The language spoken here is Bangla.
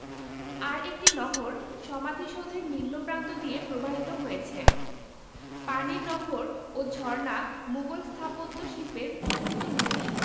আর একটি নহর সমাধিসৌধের নিম্ন প্রান্ত দিয়ে প্রবাহিত হয়েছে পানির নহর ও ঝর্ণা মুগল স্থাপত্য শিল্পের প্রচলিত রীতি